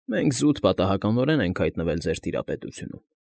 Մենք զուտ պատահականորեն ենք հայտնվել ձեր տիրապտությունուն։